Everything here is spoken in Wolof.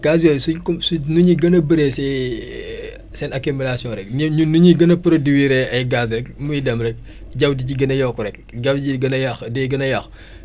gaz yooyu suñ ko suñ nu ñuy gën a bëree si seen accumulation rek ñun nu ñuy gën a produire ay gaz rek muy dem rek jaww ji di gën a yokk rek jaww jiy gën a yàq di gën a yàqu